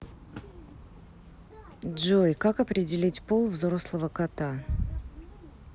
джой как определить пол взрослого кота